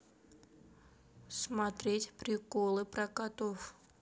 смотреть приколы про котов